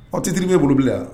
H tɛtiri bɛ bolobila